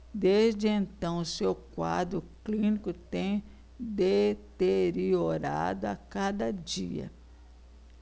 desde então seu quadro clínico tem deteriorado a cada dia